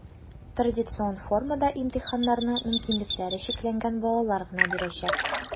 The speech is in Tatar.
Традицион формада имтиханнарны мөмкинлекләре чикләнгән балалар гына бирәчәк.